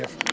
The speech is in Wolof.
jërëjëf